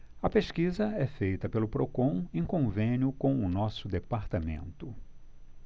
a pesquisa é feita pelo procon em convênio com o diese